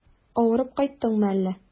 Авырып кайттыңмы әллә?